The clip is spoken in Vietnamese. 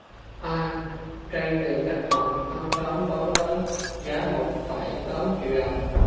a trên đường cách mạng tháng tám bán với giá một phẩy tám triệu đồng